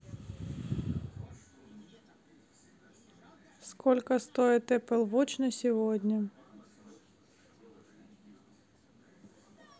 сколько стоит apple watch на сегодня